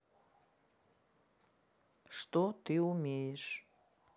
что ты умеешь